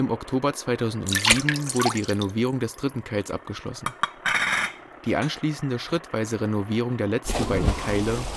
Oktober 2007 wurde die Renovierung des dritten Keils abgeschlossen. Die anschließende schrittweise Renovierung der letzten beiden Keile